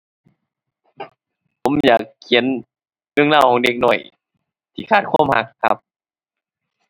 ผมอยากเขียนเรื่องราวของเด็กน้อยที่ขาดความรักครับ